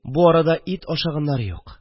Бу арада ит ашаганнары юк